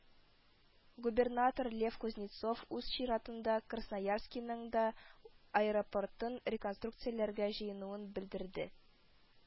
Губернатор Лев Кузнецов үз чиратында Красноярскиның да үз аэропортын рекорнструкцияләргә җыенуын белдерде